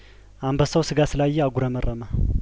አንበሳው ስጋ ስላየ አጉረመረመ